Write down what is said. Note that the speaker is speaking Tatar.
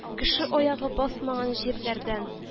Кеше аягы басмаган җирләрдән